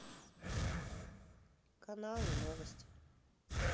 каналы новости